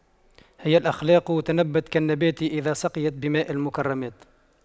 هي الأخلاق تنبت كالنبات إذا سقيت بماء المكرمات